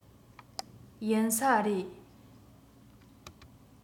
ཡིན ས རེད